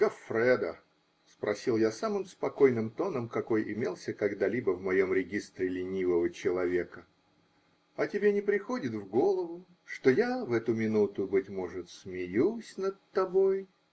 -- Гоффредо, -- спросил я самым спокойным тоном, какой имелся когда либо в моем регистре ленивого человека, -- а тебе не приходит в голову, что я в эту минуту, быть может, смеюсь над тобой?